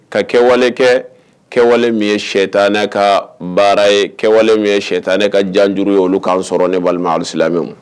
Ka kɛwale kɛ kɛwale min ye shɛ tan ne ka baara ye kɛwale min ye shɛ tan ne ka janjuru ye olu k'an sɔrɔ ni balima alisime